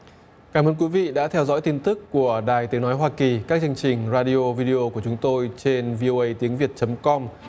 cảm ơn quý vị đã theo dõi tin tức của đài tiếng nói hoa kỳ các chương trình ra đi ô vi đê ô của chúng tôi trên vi ô ây tiếng việt chấm com